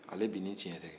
ale b'i ni tiɲɛ cɛ